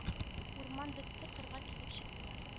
Урман бетте кырга килеп чыктылар